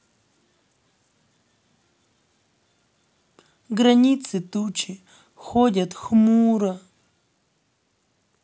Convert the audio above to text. границы тучи ходят хмуро